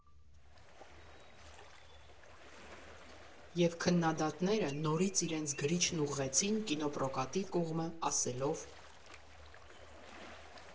Եվ քննադատները նորից իրենց գրիչն ուղղեցին կինոպրոկատի կողմը՝ ասելով.